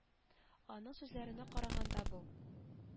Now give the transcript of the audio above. Аның сүзләренә караганда бу